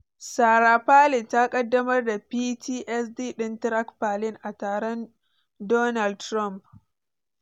Sarah Palin Ta kaddamar da PTSD din Track Palin a taron Donald Trump